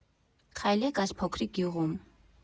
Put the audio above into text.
Քայլեք այս փոքրիկ գյուղում.